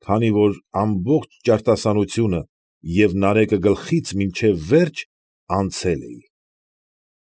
Քանի որ ամբողջ ճարտասանությունն և Նարեկը գլխից մինչև վերջն անցել էի։